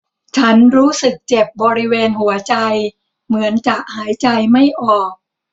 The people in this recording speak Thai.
ฉันรู้สึกเจ็บบริเวณหัวใจเหมือนจะหายใจไม่ออก